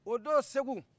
o don segu